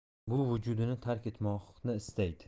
bu vujudini tark etmoqni istaydi